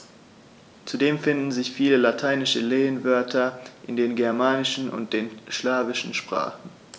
Zudem finden sich viele lateinische Lehnwörter in den germanischen und den slawischen Sprachen.